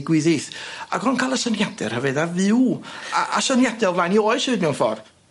ddigwyddith ag o'dd o'n ca'l y syniade rhyfedda fyw a a syniade o flaen i oes hefyd mewn ffor.